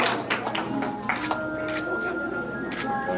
xin cảm ơn